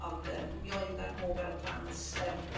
Ond yym mi oeddan nhw fel plant ymm